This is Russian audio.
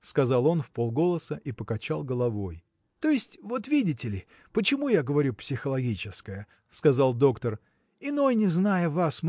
– сказал он вполголоса и покачал головой. – То есть вот видите ли почему я говорю психологическая – сказал доктор – иной не зная вас